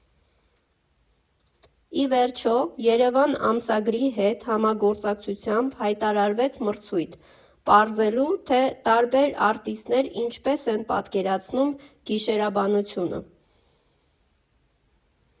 Ի վերջո, ԵՐԵՎԱՆ ամսագրի հետ համագործակցությամբ հայտարարվեց մրցույթ՝ պարզելու, թե տարբեր արտիստներ ինչպես են պատկերացնում «Գիշերաբանությունը»։